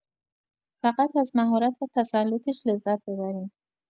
فقط از مهارت و تسلطش لذت ببرین